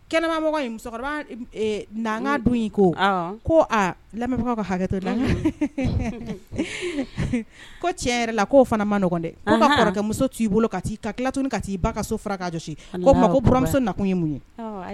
Kɛnɛmamɔgɔ musokɔrɔbaga dun in ko ko lamɛnbagaw ka hakɛto la ko cɛ yɛrɛ la'o fana maɔgɔn dɛ ko ka kɔrɔkɛmuso t' ii bolo ka i ka kit ka'i ka so fara kasi buramuso nakun ye mun ye